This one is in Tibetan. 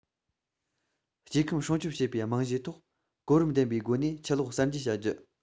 སྐྱེ ཁམས སྲུང སྐྱོབ བྱེད པའི རྨང གཞིའི ཐོག གོ རིམ ལྡན པའི སྒོ ནས ཆུ གློག གསར འབྱེད བྱ རྒྱུ